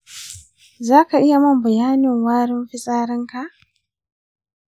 zaka iya mun bayanin warin fitsarinka?